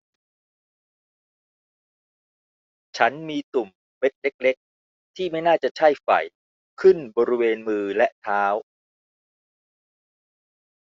ฉันมีตุ่มเม็ดเล็กเล็กที่ไม่น่าจะใช่ไฝขึ้นบริเวณมือและเท้า